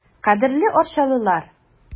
Кадерле арчалылар!